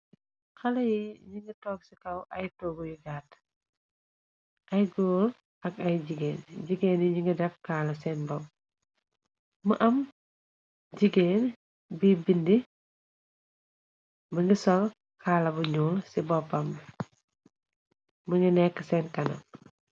Xale yi yi nge tog ci kaw ay toogu yu gaat ay góol ak ay jigéen jigéen yi ñi nga def kaala seen bob mu am jigéen bi bindi ba ngi sol kaala bu ñuul ci boppamb mu nge nekk seen kanam.